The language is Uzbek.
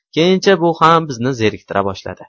keyincha bu ham bizni zeriktira boshladi